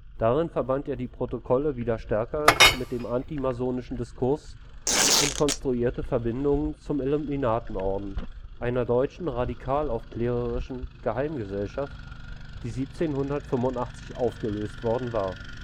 Darin verband er die Protokolle wieder stärker mit dem antimasonischen Diskurs und konstruierte Verbindungen zum Illuminatenorden, einer deutschen radikalaufklärerischen Geheimgesellschaft, die 1785 aufgelöst worden war